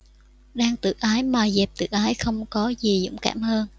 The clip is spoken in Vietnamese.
đang tự ái mà dẹp tự ái không có gì dũng cảm hơn